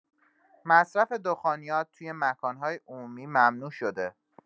مصرف دخانیات توی مکان‌های عمومی ممنوع شده.